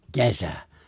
kesä